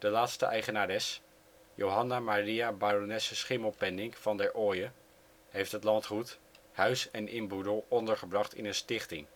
laatste eigenares, Johanna Maria baronesse Schimmelpenninck van der Oye (née Beelaerts van Blokland), heeft het landgoed, huis en inboedel ondergebracht in een stichting